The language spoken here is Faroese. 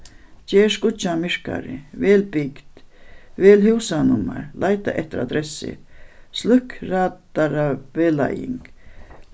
ger skíggjan myrkari vel bygd vel húsanummar leita eftir adressu sløkk radaravegleiðing